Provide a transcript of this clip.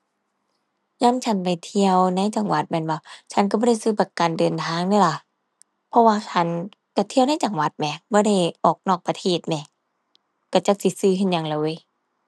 ยามฉันไปเที่ยวในจังหวัดแม่นบ่ ฉันก็บ่ได้ซื้อประกันเดินทางเดะล่ะ เพราะว่าฉันก็เที่ยวในจังหวัดแหม บ่ได้ออกนอกประเทศแหม ก็จักสิซื้อเฮ็ดหยังแล้วเว้ย